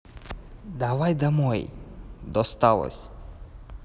давай домой досталось